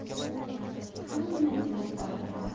hamma jimib qolgan